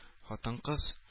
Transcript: Хатын-кыз